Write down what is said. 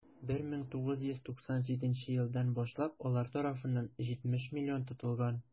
1997 елдан башлап алар тарафыннан 70 млн тотылган.